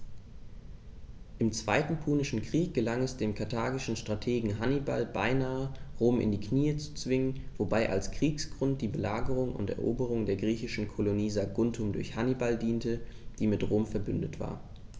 Im Zweiten Punischen Krieg gelang es dem karthagischen Strategen Hannibal beinahe, Rom in die Knie zu zwingen, wobei als Kriegsgrund die Belagerung und Eroberung der griechischen Kolonie Saguntum durch Hannibal diente, die mit Rom „verbündet“ war.